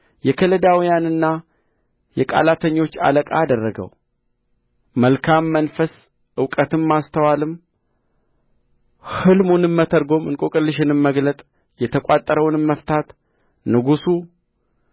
የከለዳውያንና የቃላተኞች አለቃ አደረገው መልካም መንፈስ እውቀትም ማስተዋልም ሕልምንም መተርጐም እንቈቅልሽንም መግለጥ የተቋጠረውንም መፍታት ንጉሡ